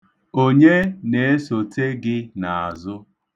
Onye na-esote gị n'azụ?